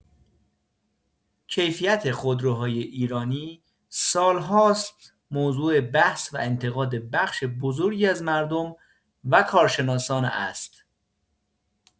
کیفیت خودروهای ایرانی سال‌هاست موضوع بحث و انتقاد بخش بزرگی از مردم و کارشناسان است.